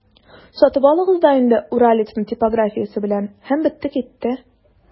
Сатып алыгыз да инде «Уралец»ны типографиясе белән, һәм бетте-китте!